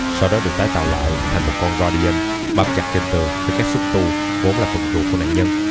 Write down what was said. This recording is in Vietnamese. sau đó được tái tạo lại thành một con guardian bám chặt trên tường với các xúc tu vốn là phần ruột của nạn nhân